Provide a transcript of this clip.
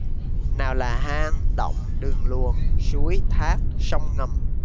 nào là hang động đường luồn suối thác sông ngầm